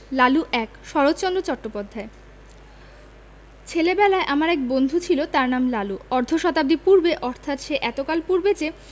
লালু ১ শরৎচন্দ্র চট্টোপাধ্যায় ছেলেবেলায় আমার এক বন্ধু ছিল তার নাম লালু অর্ধ শতাব্দী পূর্বে অর্থাৎ সে এতকাল পূর্বে যে